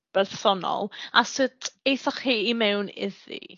bersonol a sut aethoch chi i mewn iddi?